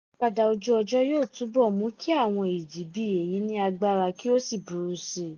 Àyípadà ojú-ọjọ́ yóò túbọ̀ mú kí àwọn ìjì bíi èyí ní agbára kí ó sì burú síi.